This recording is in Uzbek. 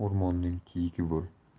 o'rmonning kiyigi bo'l